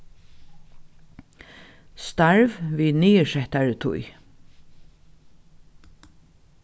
starv við niðursettari tíð